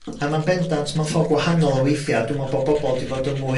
A ma'n bendant mewn ffor gwahanol o weithia', dwi'n me'wl bo' bobol 'di fod yn mwy